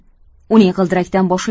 uning g'ildirakdan boshqa